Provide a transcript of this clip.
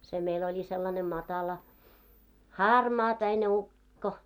se meillä oli sellainen matala harmaapäinen ukko